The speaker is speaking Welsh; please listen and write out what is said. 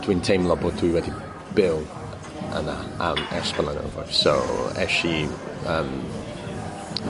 dwi'n teimlo bod dwi wedi byw y- yna am ers felynyddoedd so esh i yym